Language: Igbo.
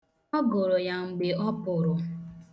Ọ gụrụ ya mgbe ọ pụrụ.